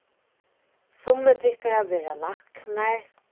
summi tykkara verða læknar